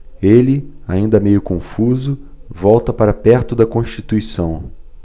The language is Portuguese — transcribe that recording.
ele ainda meio confuso volta para perto de constituição